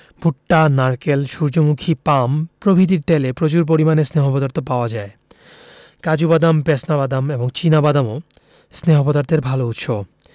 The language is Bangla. ভুট্টা নারকেল সুর্যমুখী পাম প্রভৃতির তেলে প্রচুর পরিমাণে স্নেহ পদার্থ পাওয়া যায় কাজু বাদাম পেস্তা বাদাম এবং চিনা বাদামও স্নেহ পদার্থের ভালো উৎস